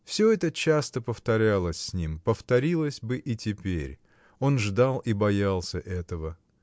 Всё это часто повторялось с ним, повторилось бы и теперь: он ждал и боялся этого.